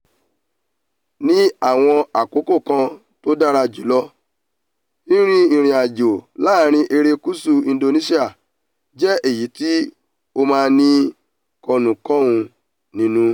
Ní àwọn àkókò kan tó dára jùlọ, rínrín ìrìn-àjò láàrín erékùsù Indonesia jẹ́ èyi tí ó ma ń ní kọ́nuúkọọ nínú.